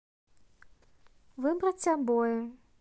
выбрать обои